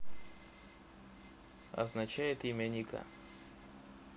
означает имя ника